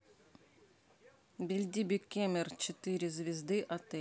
бельдиби кемер четыре звезды отель